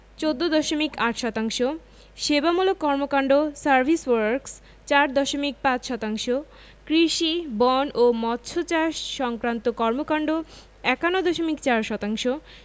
১৪দশমিক ৮ শতাংশ সেবামূলক কর্মকান্ড সার্ভিস ওয়ার্ক্স ৪ দশমিক ৫ শতাংশ কৃষি বন ও মৎসচাষ সংক্রান্ত কর্মকান্ড ৫১ দশমিক ৪ শতাংশ